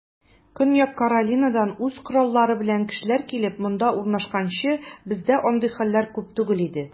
Көньяк Каролинадан үз коллары белән кешеләр килеп, монда урнашканчы, бездә андый хәлләр күп түгел иде.